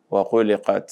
Wa ko de ka